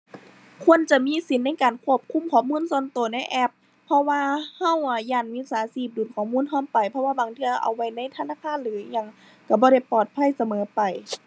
ควรจะมีสิทธิ์ในการควบคุมข้อมูลส่วนตัวในแอป เพราะว่าตัวอะย้านมิจฉาชีพดูดข้อมูลตัวไป เพราะว่าบางเทื่อเอาไว้ในธนาคารหรืออิหยัง ตัวบ่ได้ปลอดภัยเสมอไป